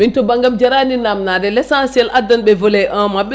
min to banggam jarani namdade l' essentiel addanɓe volet 1 mbaɓe